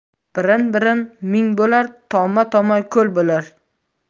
birin birin ming bo'lar toma toma ko'l bo'lar